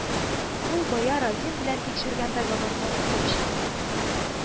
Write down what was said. Ул бая Разин белән тикшергән договорны укып чыкты